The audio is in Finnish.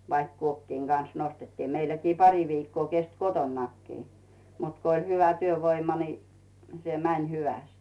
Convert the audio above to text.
vaikka kuokkien kanssa nostettiin meilläkin pari viikkoa kesti kotonakin mutta kun oli hyvä työvoima niin se meni hyvästi